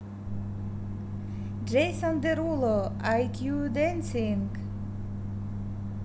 джейсон деруло айкью dancing